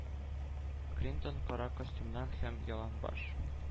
Клинтон кара костюмнан һәм яланбаш,